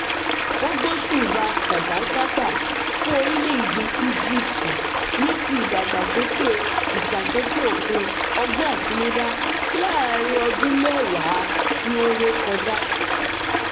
Ó gbóṣùbàa sàńdákátà fún orílẹ̀-èdèe Egypt ní ti “ìdàgbàsókèe ìtàsókè òkun ọgbọ́n àtinudá láàárín ọdún mẹ́wàá tí ó ré kọjá".